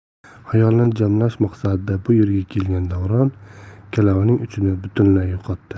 xayolini jamlash maqsadida bu yerga kelgan davron kalavaning uchini butunlay yo'qotdi